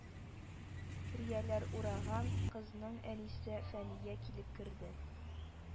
Рияләр ураган, кызның әнисе – фәния килеп керде